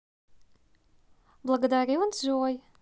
благодарю джой